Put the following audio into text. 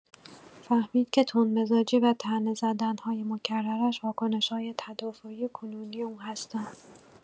فهمید که تندمزاجی و طعنه‌زدن‌های مکررش واکنش‌های تدافعی کنونی او هستند.